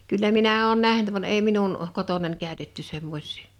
kyllä minä olen nähnyt vaan ei minun kotonani käytetty semmoisia